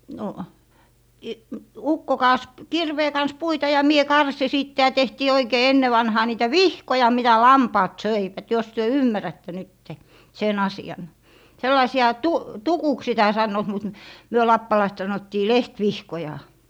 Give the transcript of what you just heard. no - ukko kaatoi kirveen kanssa puita ja minä karsin sitten ja tehtiin oikein ennen vanhaan niitä vihkoja mitä lampaat söivät jos te ymmärrätte nyt sen asian sellaisia - tukuksi sitä sanovat mutta me lappalaiset sanottiin lehtivihkoja